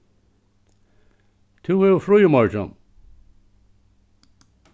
tú hevur frí í morgin